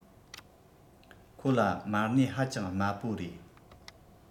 ཁོ ལ པའི མ གནས ཧ ཅང དམའ པོ རེད